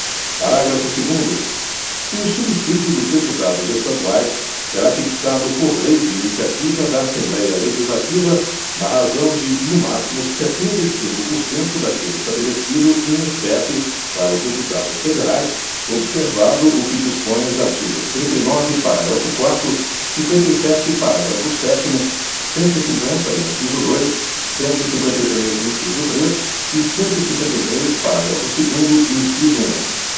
parágrafo segundo o subsídio dos deputados estaduais será fixado por lei de iniciativa da assembléia legislativa na razão de no máximo setenta e cinco por cento daquele estabelecido em espécie para os deputados federais observado o que dispõem os artigos trinta e nove parágrafo quarto cinquenta e sete parágrafo sétimo cento e cinquenta inciso dois cento e cinquenta e três inciso três e cento e cinquenta e três parágrafo segundo inciso um